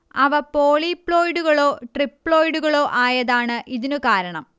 അവ പോളിപ്ലോയിഡുകളോ ട്രിപ്ലോയിടുകളോ ആയതാണ് ഇതിനു കാരണം